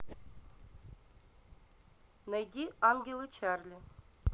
найди ангелы чарли